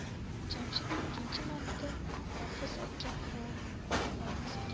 jamshid ikkinchi marta hofiz aka ho' hofiz aka